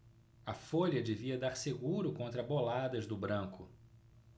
a folha devia dar seguro contra boladas do branco